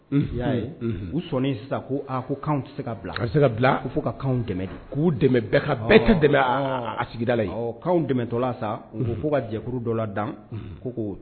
Fi y'a ye u sɔn sisan ko aa ko' tɛ ka bila se ka u fo ka dɛmɛ k'u dɛmɛ tɛ dɛmɛ a sigida la yen' dɛmɛtɔla sa u' fo ka jɛkuru dɔ la dan ko